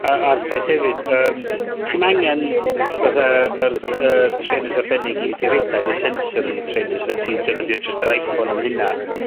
Yy, a'r peth hefyd yym, ti'm angen fatha yr yr trainers arbennig i mynd i redag ne' sensor yn y trainers, fy' ti defnyddio jyst yr IPhone am hyna.